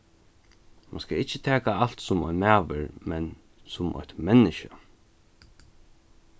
mann skal ikki taka alt sum ein maður men sum eitt menniskja